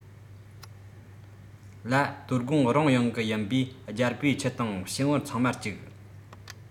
ལྰ དོ དགོང རང ཡོང གི ཡིན པས རྒྱལ པོས ཁྱི དང ཞུམ བུ ཚང མ བཅུག